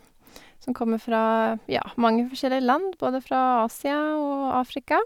Som kommer fra, ja, mange forskjellige land, både fra Asia og Afrika.